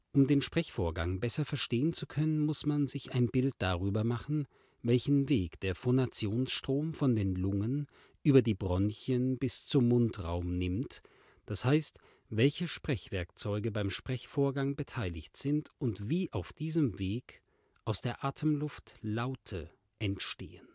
Um den Sprechvorgang besser verstehen zu können, muss man sich ein Bild darüber machen, welchen Weg der Phonationsstrom von den Lungen über die Bronchien bis zum Mundraum nimmt, das heißt welche Sprechwerkzeuge beim Sprechvorgang beteiligt sind, und wie auf diesem Weg aus der Atemluft Laute entstehen